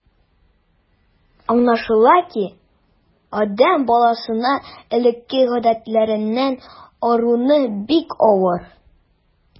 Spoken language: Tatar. Аңлашыла ки, адәм баласына элекке гадәтләреннән арыну бик авыр.